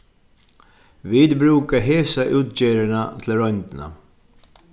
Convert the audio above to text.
vit brúka hesa útgerðina til royndina